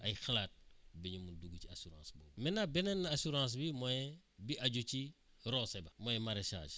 ay xalaat ba ñu mun dugg ci assurance bi maintenant beneen assurance bi mooy bi aju ci roose ba mooy maraîchage